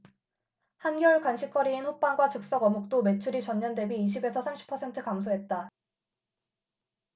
한겨울 간식거리인 호빵과 즉석어묵도 매출이 전년대비 이십 에서 삼십 퍼센트 감소했다